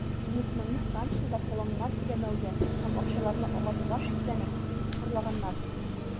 Бизнесменны Франциядә салымнар түләмәүдә һәм акчаларны "агартуда" шикләнеп тоткарлаганнар.